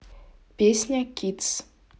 песня кидс